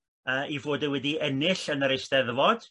yy ei fod e wedi ennill yn yr Eisteddfod